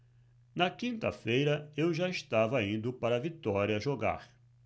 na quinta-feira eu já estava indo para vitória jogar